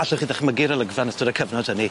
Allwch chi ddychmygu'r olygfa yn ystod y cyfnod hynny.